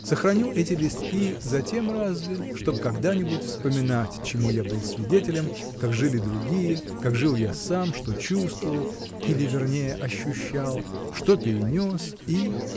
Сохраню эти листки затем разве, чтобы когда-нибудь вспоминать, чему я был свидетелем, как жили другие, как жил я сам, что чувствовал (или вернее ощущал), что перенес — и.